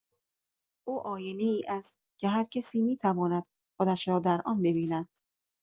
او آینه‌ای است که هر کسی می‌تواند خودش را در آن ببیند.